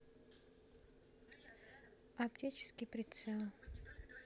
оптический прицел